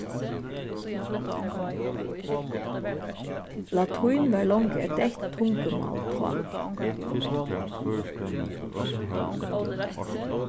latín var longu eitt deytt tungumál tá